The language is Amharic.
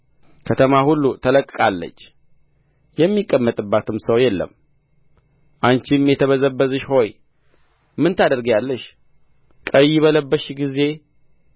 ከተማ ሁሉ ተለቅቃለች የሚቀመጥባትም ሰው የለም አንቺም የተበዘበዝሽ ሆይ ምን ታደርጊአለሽ ቀይ በለበስሽ ጊዜ